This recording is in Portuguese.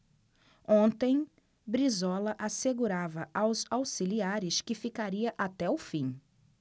ontem brizola assegurava aos auxiliares que ficaria até o fim